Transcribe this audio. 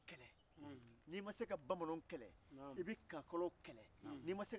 ni ye i ba fo sagoma ni ye i sigi a gɛrɛ fɛ i bɛ ko caman de ɲɛdɔn